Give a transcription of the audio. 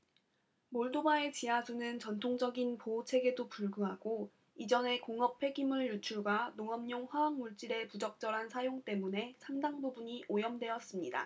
몰도바의 지하수는 전통적인 보호책에도 불구하고 이전의 공업 폐기물 유출과 농업용 화학 물질의 부적절한 사용 때문에 상당 부분이 오염되었습니다